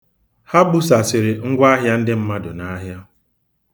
Ha busasịrị ngwa ahịa ndị mmadụ n'ahịa.